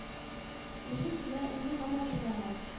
Үзе килә, үзе һаман зурая...